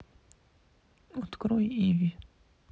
открой иви